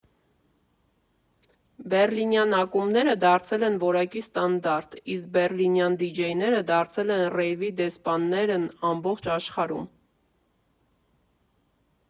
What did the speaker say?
Բեռլինյան ակումբները դարձել են որակի ստանդարտ, իսկ բեռլինյան դիջեյները դարձել են ռեյվի դեսպաններն ամբողջ աշխարհում։